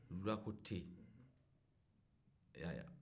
luwa ko tɛ yen i y'a ye